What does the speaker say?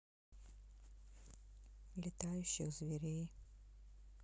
летающих зверей